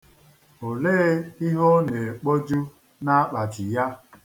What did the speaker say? Olee ihe ọ na-ekpoju n'akpati ya?